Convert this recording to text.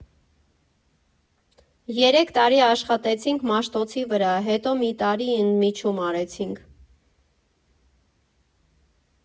Երեք տարի աշխատեցինք Մաշտոցի վրա, հետո մի տարի ընդմիջում արեցինք։